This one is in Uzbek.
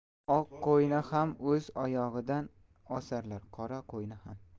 oq qo'yni ham o'z oyog'idan osarlar qora qo'yni ham